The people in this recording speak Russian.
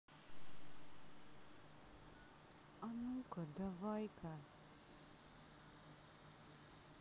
а ну ка давайка